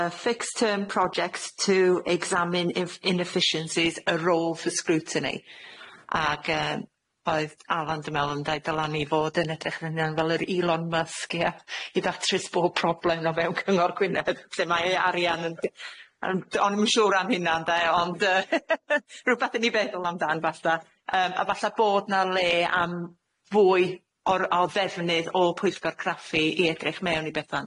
yy fixed term projects to examine ine- inefficiencies a role for scrutiny ag yy oedd Alan dwi me'wl yn deud dylan ni fod yn edrych yn union fel yr Elon Musk ia, i datrys bob problem o fewn cyngor Gwynedd lle mae ei arian yn ond o'n i'm yn siŵr am hynna ynde ond yy rywbeth i ni feddwl amdan falla yym a falla bod 'na le am fwy o'r o ddefnydd o pwyllgor craffu i edrych mewn i betha'b de.